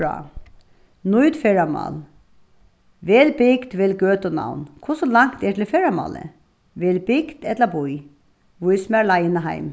frá nýt ferðamál vel bygd vel gøtunavn hvussu langt er til ferðamálið vel bygd ella bý vís mær leiðina heim